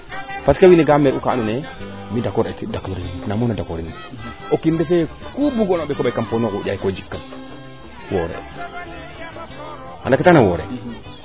parce que wiin we ga mer'u kaa ando naye mi d' accord riim o kiin refeeye ku ga'oona o mbeko ɓay kam poos newo yee ko jikan woore anda ke taxna woore